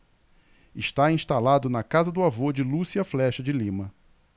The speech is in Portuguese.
está instalado na casa do avô de lúcia flexa de lima